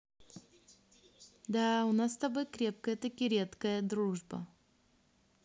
да у нас с тобой крепкая таки редкая дружба